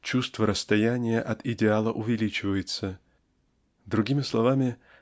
чувство расстояния от идеала увеличивается другими словами